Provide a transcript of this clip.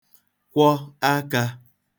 kwọ akā